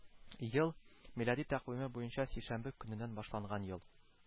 Ел – милади тәкъвиме буенча сишәмбе көненнән башланган ел